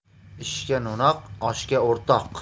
ishga no'noq oshga o'rtoq